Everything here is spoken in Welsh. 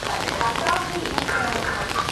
...yn eich ardal chi.